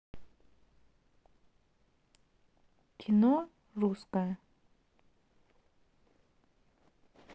кино русское